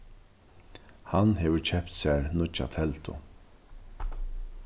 hann hevur keypt sær nýggja teldu